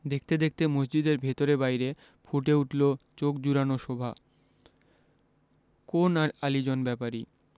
দেখতে দেখতে মসজিদের ভেতরে বাইরে ফুটে উঠলো চোখ জুড়োনো শোভা কোন আ আলীজান ব্যাপারী